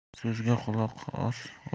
so'zga quloq os